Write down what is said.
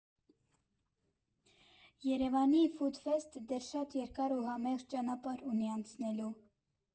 Երևանի ֆուդ֊ֆեսթը դեռ շատ երկար ու համեղ ճանապարհ ունի անցնելու։